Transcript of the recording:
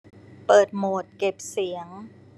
เปิดโหมดเก็บเสียง